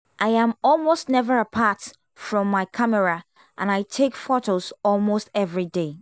I am almost never apart from my camera and I take photos almost everyday.